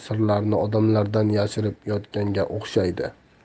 sirlarini odamlardan yashirib yotganga o'xshaydi